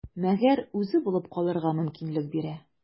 Мәгәр үзе булып калырга мөмкинлек бирә.